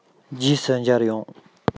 རྗེས སུ མཇལ ཡོང